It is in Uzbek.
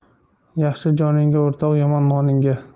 yaxshi joningga o'rtoq yomon noningga